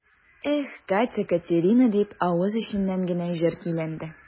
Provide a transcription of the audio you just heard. Эх, Катя-Катерина дип, авыз эченнән генә җыр көйләде.